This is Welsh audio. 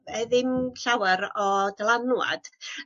yy ddim llawer o dylanwad